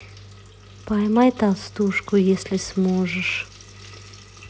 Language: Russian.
поймай толстушку если сможешь